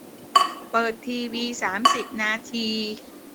เปิดทีวีสามสิบนาที